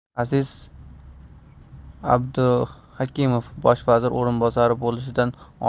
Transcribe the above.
aziz abduhakimov bosh vazir o'rinbosari bo'lishidan oldin